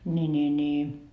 niin niin niin